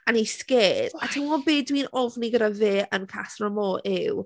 And he's scared.... Why? ...A ti'n gwbod be dwi'n ofni gyda fe yn Casa Amor yw...